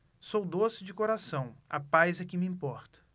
sou doce de coração a paz é que me importa